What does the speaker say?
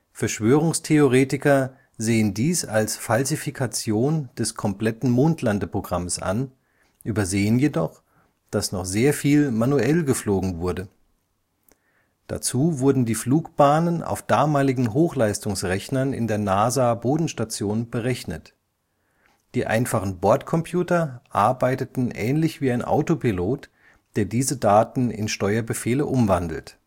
Verschwörungstheoretiker sehen dies als Falsifikation des kompletten Mondlandeprogramms an, übersehen jedoch, dass noch sehr viel manuell geflogen wurde. Dazu wurden die Flugbahnen auf damaligen Hochleistungsrechnern in der NASA-Bodenstation berechnet. Die einfachen Bordcomputer arbeiteten ähnlich wie ein Autopilot, der diese Daten in Steuerbefehle umwandelt